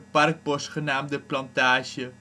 parkbos genaamd De Plantage